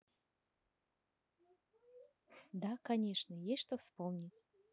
да конечно есть что вспомнить